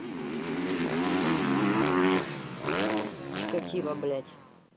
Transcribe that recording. чикатило блять